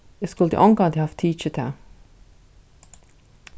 eg skuldi ongantíð havt tikið tað